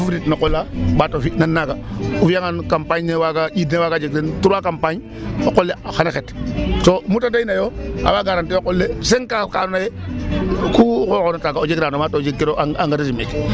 O buf ɓis no qol la ɓato fiN nand naaga ,o fi'angaan campagne ne waaga ƴiiɗ ne waaga jeg ten trois campagne o qol le xan a xet to mu ta deyna yo a waa garantie o qol le cinq ans andoona yee ku xooxoona taaga o jeg rendement to jegkiro engrais chimique.